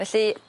felly